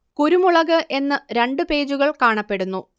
കുരുമുളക് എന്ന് രണ്ട് പേജുകൾ കാണപ്പെടുന്നു